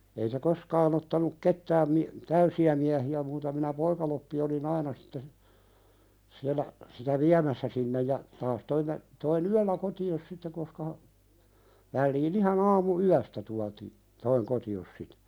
ei se koskaan ottanut ketään - täysiä miehiä muuta minä poikaloppi olin aina sitten siellä sitä viemässä sinne ja taas toimme toin yöllä kotiin sitten koska - väliin ihan aamuyöstä tuotiin toin kotiin sitä